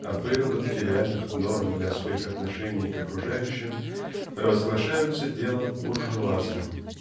о выработке реальных норм для своих отношений к окружающим -- провозглашаются делом буржуазным.